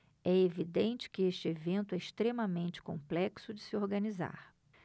é evidente que este evento é extremamente complexo de se organizar